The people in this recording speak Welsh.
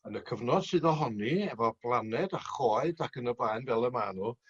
yn y cyfnod sydd ohoni efo blaned a choed ac yn y blaen fel y ma' n'w